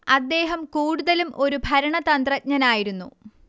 അദ്ദേഹം കൂടുതലും ഒരു ഭരണതന്ത്രജ്ഞനായിരുന്നു